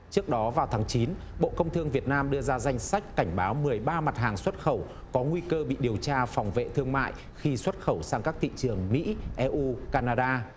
trước đó vào tháng chín bộ công thương việt nam đưa ra danh sách cảnh báo mười ba mặt hàng xuất khẩu có nguy cơ bị điều tra phòng vệ thương mại khi xuất khẩu sang các thị trường mỹ e u can na đa